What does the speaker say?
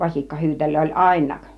vasikkahyytelöä oli ainakin